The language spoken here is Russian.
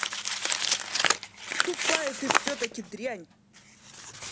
тупая ты все таки дрянь